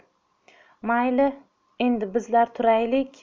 mayli endi bizlar turaylik